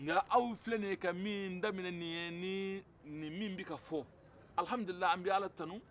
nka aw filɛ ni ye ka min daminɛ nin ye ni nin min bɛ ka f ɔ alihamudulilayi an bɛ ala tanu